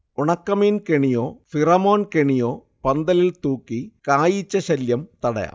ഉണക്കമീൻ കെണിയോ, ഫിറമോൺ കെണിയോ പന്തലിൽ തൂക്കി കായീച്ചശല്യം തടയാം